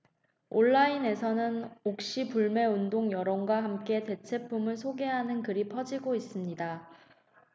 온라인에서는 옥시 불매운동 여론과 함께 대체품을 소개하는 글이 퍼지고 있습니다